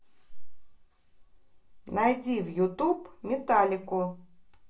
найди в ютуб металлику